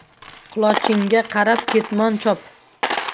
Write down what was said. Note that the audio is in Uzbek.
qulochingga qarab ketmon chop